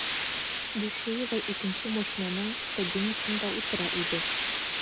Бушуева икенче машинаның кабинасында утыра иде.